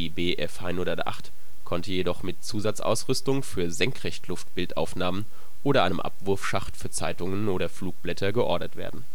Bf 108 konnte jedoch mit Zusatzausrüstung für Senkrechtluftbildaufnahmen oder einem Abwurfschacht für Zeitungen oder Flugblätter geordert werden